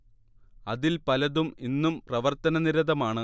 അതിൽ പലതും ഇന്നും പ്രവർത്തനനിരതമാണ്